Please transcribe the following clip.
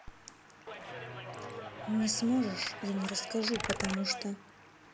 не сможешь я не расскажу потому что